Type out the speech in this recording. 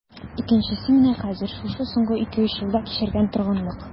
Икенчесе менә хәзер, шушы соңгы ике-өч елда кичергән торгынлык...